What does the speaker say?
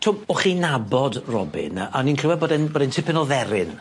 Tw'o' bo' chi'n nabod Robin a o'n i'n clywed bod e'n bod e'n tipyn o dderyn.